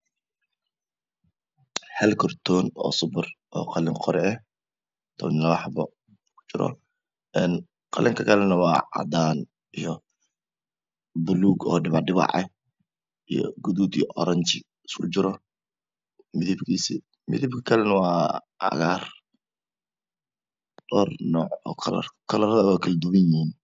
Hal kartoon oo qalin qori ah oo labo xabo kujiro. Kalaraduuna way kale duwan yihiin.